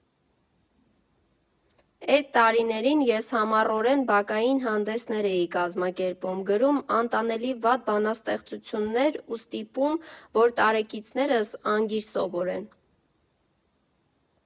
Էդ տարիներին ես համառորեն բակային հանդեսներ էի կազմակերպում, գրում անտանելի վատ բանաստեղծություններ ու ստիպում, որ տարեկիցներս անգիր սովորեն։